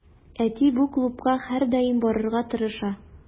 Әти бу клубка һәрдаим барырга тырыша.